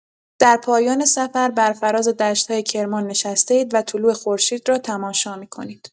در پایان سفر، بر فراز دشت‌های کرمان نشسته‌اید و طلوع خورشید را تماشا می‌کنید.